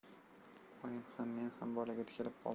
oyim ham men ham bolaga tikilib qoldik